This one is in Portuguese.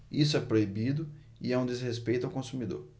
isso é proibido e é um desrespeito ao consumidor